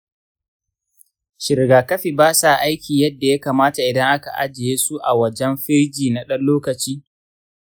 shin rigakafi ba sa aiki yadda ya kamata idan aka ajiye su a wajan firiji na ɗan lokaci?